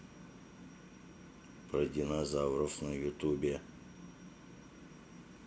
про динозавров на ютубе